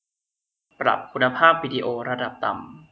ปรับคุณภาพวิดีโอระดับต่ำ